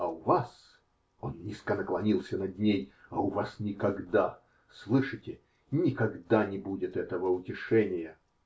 А у вас, -- он низко наклонился над ней, -- а у вас никогда -- слышите, никогда не будет этого утешения!